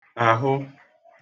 àhụ